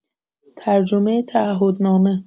ترجمه تعهدنامه